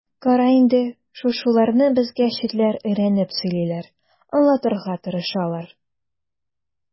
Кара инде, шушыларны безгә читләр өйрәнеп сөйлиләр, аңлатырга тырышалар.